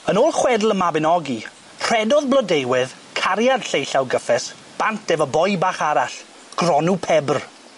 Yn ôl chwedl y Mabinogi, rhedodd Blodeuwydd cariad Llei Llaw Gyffes bant efo boi bach arall, Gronw Pebr.